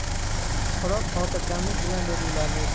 suqrot xotirjamlik bilan dedi ularni